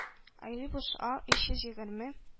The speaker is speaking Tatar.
Айрибус А өч йөз егерме